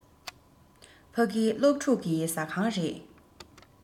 ཕ གི སློབ ཕྲུག གི ཟ ཁང རེད